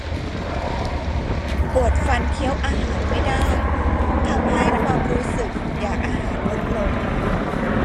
ปวดฟันเคี้ยวอาหารไม่ได้ทำให้ความรู้สึกอยากอาหารลดลง